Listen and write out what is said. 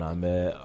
N'an bɛ